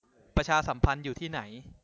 ประชาสัมพันธ์อยู่ที่ไหน